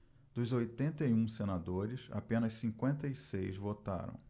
dos oitenta e um senadores apenas cinquenta e seis votaram